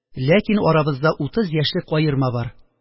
Ләкин арабызда утыз яшьлек аерма бар